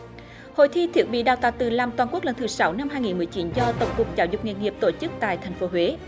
hội thi thiết bị đào tạo tự làm toàn quốc lần thứ sáu năm hai nghìn mười chín cho tổng cục giáo dục nghề nghiệp tổ chức tại thành phố huế